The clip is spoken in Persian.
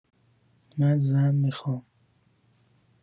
من زن میخام